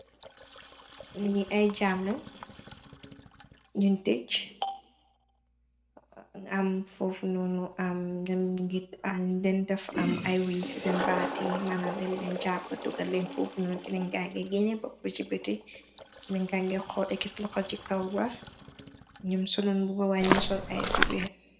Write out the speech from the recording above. Li ay jamla ñuñ tëcc ngam foofunoonu am nam ngi a leen def. Am ay wiñ ci seen baati mënal eleen jàppa tugar leen foofunoonu. Kiningange gine bopp ci beti kinengange xoo ekit loxo ci kaw. Wax ñëm solon bu bawaañi ngi sol ay tubee.